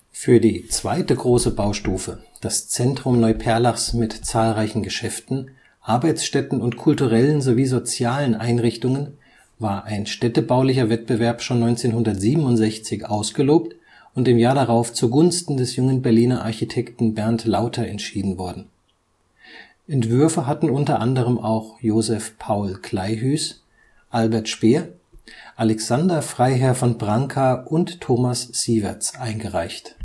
Für die zweite große Baustufe, das Zentrum Neuperlachs mit zahlreichen Geschäften, Arbeitsstätten und kulturellen sowie sozialen Einrichtungen, war ein städtebaulicher Wettbewerb schon 1967 ausgelobt und im Jahr darauf zugunsten des jungen Berliner Architekten Bernt Lauter entschieden worden (Entwürfe hatten u. a. auch Josef Paul Kleihues, Albert Speer, Alexander Freiherr von Branca und Thomas Sieverts eingereicht